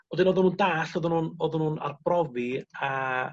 A 'dyn oddan nw'n dall' oddan nw'n odden nw'n arbrofi a